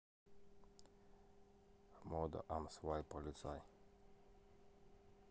мода am свай полицай